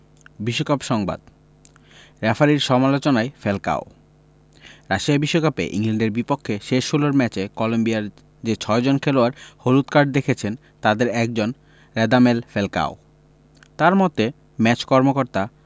বিশ্বকাপ সংবাদ রেফারির সমালোচনায় ফ্যালকাও রাশিয়া বিশ্বকাপে ইংল্যান্ডের বিপক্ষে শেষ ষোলোর ম্যাচে কলম্বিয়ার যে ছয়জন খেলোয়াড় হলুদ কার্ড দেখেছেন তাদের একজন রাদামেল ফ্যালকাও তার মতে ম্যাচ কর্মকর্তা